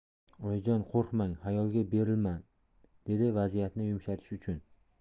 oyijon qo'rqmang xayolga berilibman dedi vaziyatni yumshatish uchun